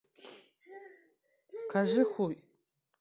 скажи хуй